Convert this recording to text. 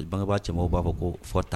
I bangebaga cɛmanw b'a fɔ ko fɔ ta